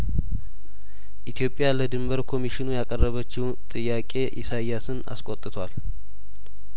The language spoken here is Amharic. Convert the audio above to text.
ኢትዮጵያ ለድንበር ኮሚሽኑ ያቀረበችው ጥያቄ ኢሳያስን አስቆጥቷል